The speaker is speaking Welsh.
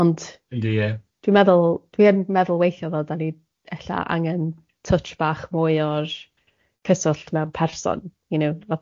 Ond... Yndi ie. ...dwi'n meddwl, dwi yn meddwl weithiau oedd o dan ni ella angen touch bach mwy o'r cyswllt mewn person you know fatha.